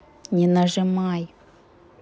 не нажимай